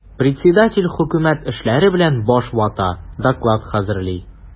Председатель хөкүмәт эшләре белән баш вата, доклад хәзерли.